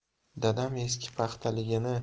dadam eski paxtaligini kiyib